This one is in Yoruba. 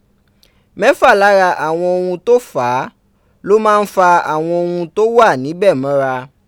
Mẹ́fà lára àwọn ohun tó fà á, ló máa ń fa àwọn ohun tó wà níbẹ̀ mọ́ra..